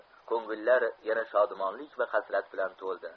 ko'ngillar yana shodumonlik va hasrat bilan to'ldi